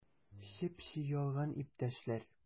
Чеп-чи ялган, иптәшләр!